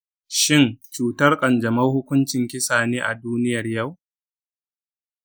shin cutar kanjamau hukuncin kisa ne a duniyar yau?